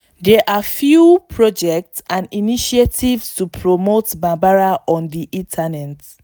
There are few projects and initiatives to promote Bambara on the internet.